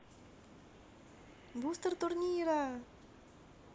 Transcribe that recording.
бустер турнира